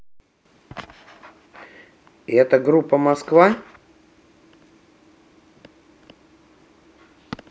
это группа москва